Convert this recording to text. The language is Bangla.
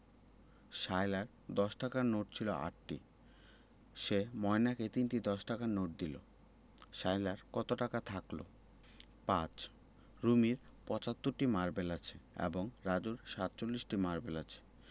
সায়লার দশ টাকার নোট ছিল ৮টি সে ময়নাকে ৩টি দশ টাকার নোট দিল সায়লার কত টাকা থাকল ৫ রুমির ৭৫টি মারবেল আছে এবং রাজুর ৪৭টি মারবেল আছে